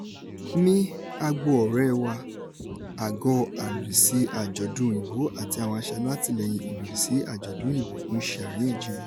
Ní agbo ọ̀rẹ́ẹ wa, àgọ́ alòdìsí àjọ̀dún Òyìnbó àti àwọn aṣàtìlẹ́yìn ilòdìsí àjọ̀dún Òyìnbó ń ṣe àríyànjiyàn.